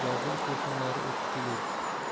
yog'iy qo'shinlari o'tib kelur